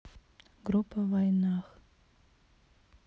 группа вайнах